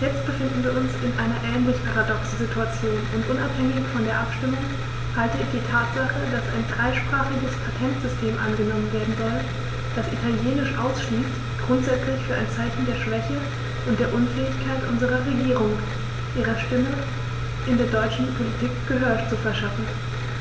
Jetzt befinden wir uns in einer ähnlich paradoxen Situation, und unabhängig von der Abstimmung halte ich die Tatsache, dass ein dreisprachiges Patentsystem angenommen werden soll, das Italienisch ausschließt, grundsätzlich für ein Zeichen der Schwäche und der Unfähigkeit unserer Regierung, ihrer Stimme in der europäischen Politik Gehör zu verschaffen,